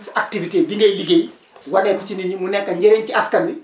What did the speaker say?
sa activité gi ngay liggéey wane ko ci nit ñi mu nekk njëriñ ci askan wi